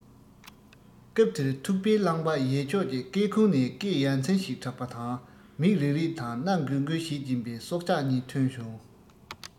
སྐབས དེར ཐུག པའི རླངས པ ཡལ ཕྱོགས ཀྱི སྐར ཁུང ནས སྐད ཡ མཚན ཞིག གྲགས པ དང མིག རིག རིག དང སྣ འགུལ འགུལ བྱེད ཀྱིན པའི སྲོག ཆགས གཉིས ཐོན བྱུང